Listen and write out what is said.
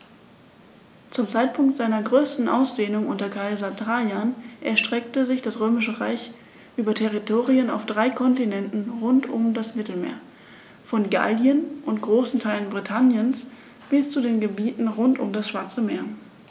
Zum Zeitpunkt seiner größten Ausdehnung unter Kaiser Trajan erstreckte sich das Römische Reich über Territorien auf drei Kontinenten rund um das Mittelmeer: Von Gallien und großen Teilen Britanniens bis zu den Gebieten rund um das Schwarze Meer.